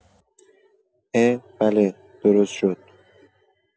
عه بله درست شد